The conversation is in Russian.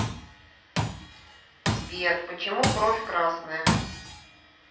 сбер почему кровь красная